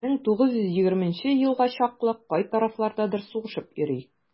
1920 елга чаклы кай тарафлардадыр сугышып йөри.